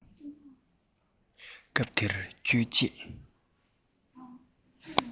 སྐབས དེར ཁྱོད རྗེས